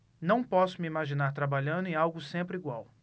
não posso me imaginar trabalhando em algo sempre igual